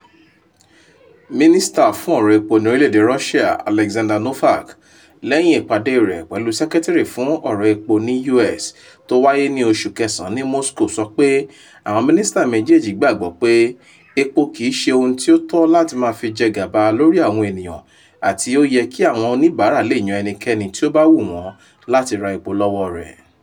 "Mínísítà fún ọ̀rọ̀ epo ní orílẹ̀èdè Russia Aleksandr Novak, lẹ́yìn ìpàdé rẹ̀ pẹ̀lú Sẹ́kẹ́tìrì fún ọ̀rọ̀ epo ni US tó wáyé ní oṣù kẹsàán ní Moscow sọ pé àwọn Mínísítà méjèèjì gbàgbọ́ pé epo kìí ṣe ohun tí ó tọ́ láti máa fi jẹ gàba lórí àwọn ènìyàn àti o yẹ kí àwọn oníbàárà le yan ẹnikẹ́ni tí ó bá wù wọ́n láti ra epo lọ́wọ́ rẹ̀.